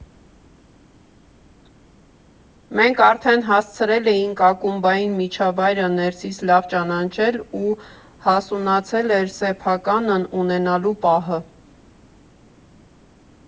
Մենք արդեն հասցրել էինք ակումբային միջավայրը ներսից լավ ճանաչել ու հասունացել էր սեփականն ունենալու պահը։